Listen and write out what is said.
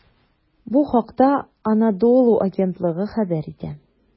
Бу хакта "Анадолу" агентлыгы хәбәр итә.